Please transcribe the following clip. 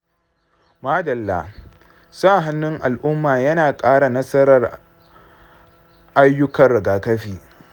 madalla; sa hannun al’umma yana ƙara nasarar ayyukan rigakafi.